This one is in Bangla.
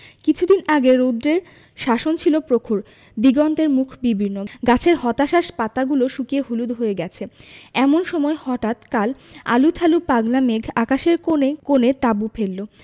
কিছুদিন আগে রৌদ্রের শাসন ছিল প্রখর দিগন্তের মুখ বিবর্ণ গাছের হতাশ্বাস পাতাগুলো শুকিয়ে হলুদ হয়ে গেছে এমন সময় হঠাৎ কাল আলুথালু পাগলা মেঘ আকাশের কোণে কোণে তাঁবু ফেললো